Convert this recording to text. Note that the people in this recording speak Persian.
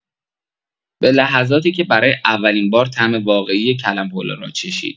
به لحظاتی که برای اولین بار طعم واقعی کلم‌پلو را چشید.